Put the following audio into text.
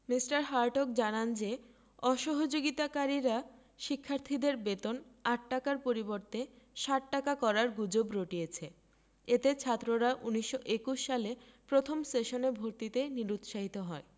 Me. Hartog জানান যে অসহযোগিতাকারীরা শিক্ষার্থীদের বেতন ৮ টাকার পরিবর্তে ৬০ টাকা করার গুজব রটিয়েছে এতে ছাত্ররা ১৯২১ সালে প্রথম সেশনে ভর্তিতে নিরুৎসাহিত হয়